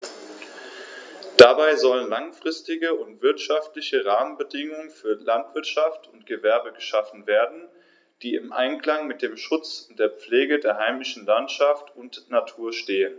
Dabei sollen langfristige und wirtschaftliche Rahmenbedingungen für Landwirtschaft und Gewerbe geschaffen werden, die im Einklang mit dem Schutz und der Pflege der heimischen Landschaft und Natur stehen.